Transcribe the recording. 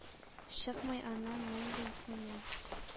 Чыкмый аннан мәңге исеңнән.